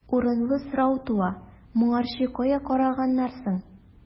Урынлы сорау туа: моңарчы кая караганнар соң?